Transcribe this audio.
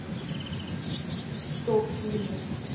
стоп тиму